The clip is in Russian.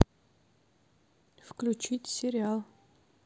включить сериал